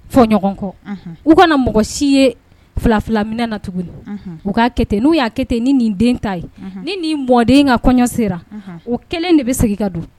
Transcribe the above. Fɔ ɲɔgɔn kɔ u kana mɔgɔ si ye fila fila min na tuguni u ka kɛte n'u y'a kɛ ni nin den ta ye ni ni mɔden ka kɔɲɔ sera o kɛlen de bɛ segin ka don